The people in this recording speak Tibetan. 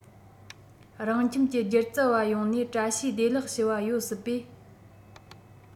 རང ཁྱིམ གྱི སྒྱུ རྩལ པ ཡོང ནས བཀྲ ཤིས བདེ ལེགས ཞུ བ ཡོད སྲིད པས